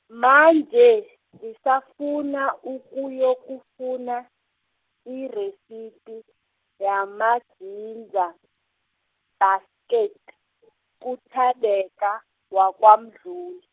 manje, ngisafuna ukuyokufuna, iresiphi, yamajinja, bhasketi, kuThandeka, waKwaMdluli.